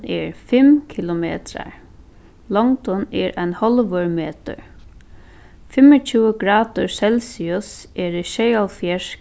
er fimm kilometrar longdin er ein hálvur metur fimmogtjúgu gradir celsius eru sjeyoghálvfjerðs